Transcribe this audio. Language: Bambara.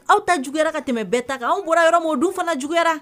Aw ta juguyayara ka tɛmɛ bɛɛ ta kan anw bɔra yɔrɔ maaw dun fana juguyayara